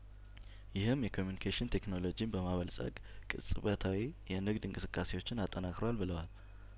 ይህም የኮሚኒኬሽን ቴክኖሎጂን በማበልጸግ ቅጽበታዊ የንግድ እንቅስቃሴዎችን አጠናክሯል ብለዋል